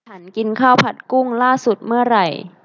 ฉันกินข้าวผัดกุ้งล่าสุดเมื่อไหร่